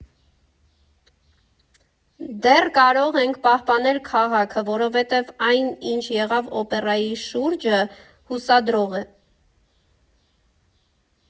Դեռ կարող ենք պահպանել քաղաքը, որովհետև այն, ինչ եղավ Օպերայի շուրջը, հուսադրող է։